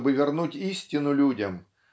чтобы вернуть истину людям